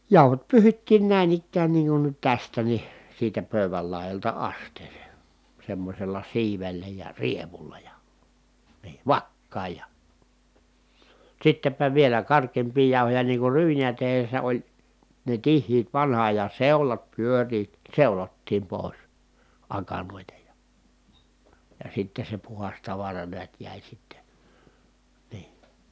jauhot pyyhittiin näin ikään niin kuin nyt tästä niin siitä pöydän laidasta asteeseen semmoisella siivellä ja rievulla ja niin vakkaan ja sittenpä vielä karkeampia jauhoja niin kuin ryyniä tehdessä oli ne tiheät vanhan ajan seulat pyörivät seulottiin pois akanoita ja ja sitten se puhdas tavara näet jäi sitten niin